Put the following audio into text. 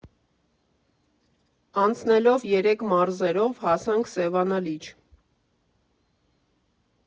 Անցնելով երեք մարզերով՝ հասանք Սևանա լիճ։